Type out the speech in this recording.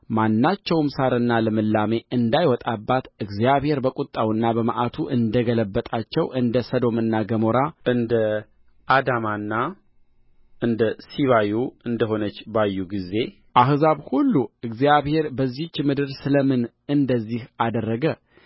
ማናቸውም ሣርና ልምላሜም እንዳይወጣባት እግዚአብሔር በቍጣውና በመዓቱ እንደ ገለባበጣቸው እንደ ሰዶምና ገሞራ እንደ አዳማና እንደ ሲባዮ እንደ ሆነች ባዩ ጊዜ አሕዛብ ሁሉ እግዚአብሔር በዚህች ምድር ስለ ምን እንደዚህ አደረገ